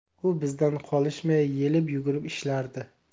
u bizdan qolishmay yelib yugurib ishlardi